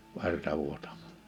verta vuotamasta